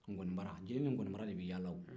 nkɔnibara jeliw ni nkɔnibara de bɛ yaala o